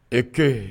E tɛ